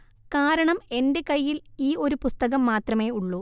കാരണം എന്റെ കയ്യിൽ ഈ ഒരു പുസ്തകം മാത്രമേ ഉള്ളൂ